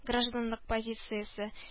Гражданлык позициясе